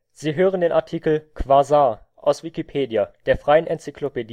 Sie hören den Artikel Quasar, aus Wikipedia, der freien Enzyklopädie